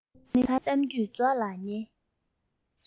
ད ནི གཏམ རྒྱུད རྫོགས ལ ཉེ